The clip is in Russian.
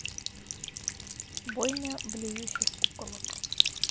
бойня блюющих куколок